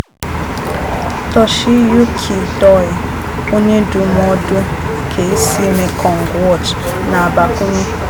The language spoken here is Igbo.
Toshiyuki Doi, onyendụmọdụ keisi Mekong watch, na-agbakwụnye: